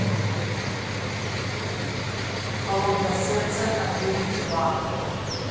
холодное сердце один и два